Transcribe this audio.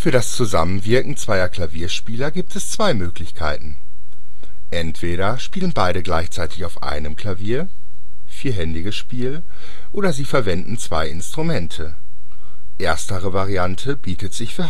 das Zusammenwirken zweier Klavierspieler gibt es zwei Möglichkeiten: Entweder spielen beide gleichzeitig auf einem Klavier (vierhändiges Spiel), oder sie verwenden zwei Instrumente – erstere Variante bietet sich